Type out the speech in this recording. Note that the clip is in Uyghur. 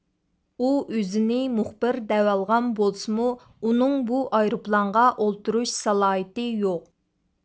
ئۇ ئۆزىنى مۇخبىر دەۋالغان بولسىمۇ ئۇنىڭ بۇ ئايروپىلانغا ئولتۇرۇش سالاھىيىتى يوق ئىدى